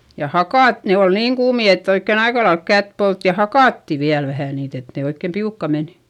ja hakata ne oli niin kuumia että oikein aika lailla kättä poltti ja hakattiin vielä vähän niitä että ne oikein piukkaan meni